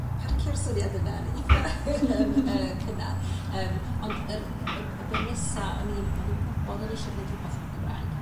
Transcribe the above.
pacio'r syniad yna yn eitha yym yy cynnar yym ond yr y y be' nesa o'n i'n o'n i'n gwbod o'n i isio gneud rwbath efo'r Gymraeg.